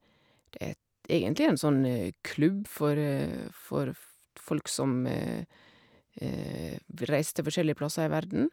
Et egentlig en sånn klubb for for ft folk som v reiser til forskjellige plasser i verden.